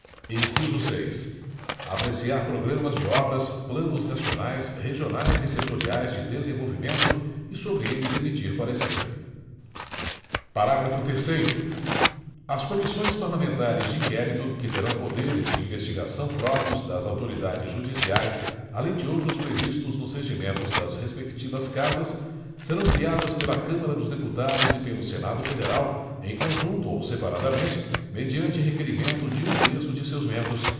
inciso seis apreciar programas de obras planos nacionais regionais e setoriais de desenvolvimento e sobre eles emitir parecer parágrafo terceiro as comissões parlamentares de inquérito que terão poderes de investigação próprios das autoridades judiciais além de outros previstos nos regimentos das respectivas casas serão criadas pela câmara dos deputados e pelo senado federal em conjunto ou separadamente mediante requerimento de um terço de seus membros